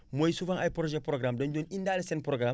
mooy souvent ay projet programme dañu doon indaale seen programme